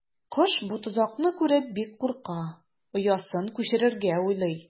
Кош бу тозакны күреп бик курка, оясын күчерергә уйлый.